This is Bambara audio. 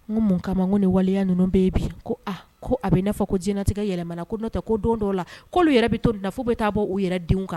N ko mun kama ni waliya ninnu bɛ yen bi ko aa ko a bɛ n'a fɔ ko diiɲɛlatigɛ yɛlɛma na ko n'o tɛ ko don dɔw la k'olu yɛrɛ bɛ to nin na fɔ u bɛ taa bɔ u yɛrɛ denw kan.